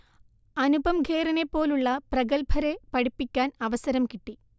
അനുപം ഖേറിനെപ്പോലുള്ള പ്രഗല്ഭരെ പഠിപ്പിക്കാൻ അവസരം കിട്ടി